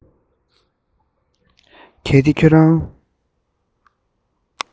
གལ ཏེ ཁྱོད རང